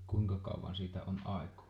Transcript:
kuinka kauan siitä on aikaa